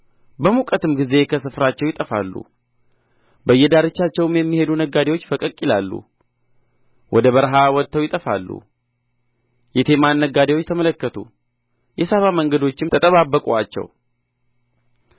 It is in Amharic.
በሙቀትም ጊዜ ከስፍራቸው ይጠፋሉ በየዳርቻቸውም የሚሄዱ ነጋዴዎች ፈቀቅ ይላሉ ወደ በረሃ ወጥተው ይጠፋሉ የቴማን ነጋዴዎች ተመለከቱ የሳባ መንገደኞችም ተጠባበቁአቸው